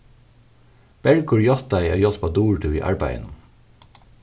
bergur játtaði at hjálpa duritu við arbeiðinum